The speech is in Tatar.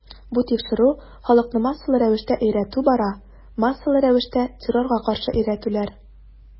Бу тикшерү, халыкны массалы рәвештә өйрәтү бара, массалы рәвештә террорга каршы өйрәтүләр.